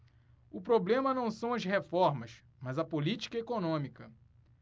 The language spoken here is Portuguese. o problema não são as reformas mas a política econômica